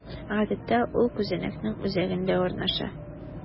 Гадәттә, ул күзәнәкнең үзәгендә урнаша.